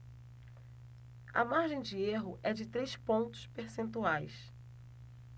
a margem de erro é de três pontos percentuais